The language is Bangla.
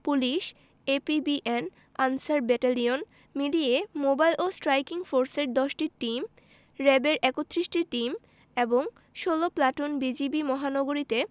পুলিশ এপিবিএন আনসার ব্যাটালিয়ন মিলিয়ে মোবাইল ও স্ট্রাইকিং ফোর্সের ১০টি টিম র্যা বের ৩১টি টিম এবং ১৬ প্লাটুন বিজিবি মহানগরীতে